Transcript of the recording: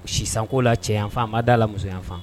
Sisankoo la cɛfan ma d'a la musofan